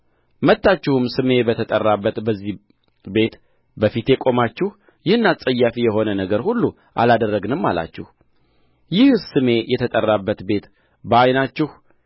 መጣችሁም ስሜም በተጠራበት በዚህ ቤት በፊቴ ቆማችሁ ይህን አስጸያፊ የሆነ ነገርን ሁሉ አላደረግንም አላችሁ ይህስ ስሜ የተጠራበት ቤት በዓይናችሁ